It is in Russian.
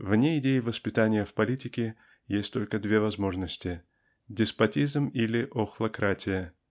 Вне идеи воспитания в политике есть только две возможности деспотизм или охлократия.